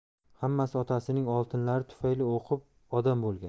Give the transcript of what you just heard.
hammasi otasining oltinlari tufayli o'qib odam bo'lgan